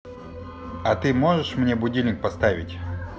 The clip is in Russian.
а ты можешь мне будильник поставить